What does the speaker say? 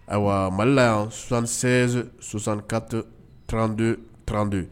Ayiwa malila yan sonsansen sonsankate trante trante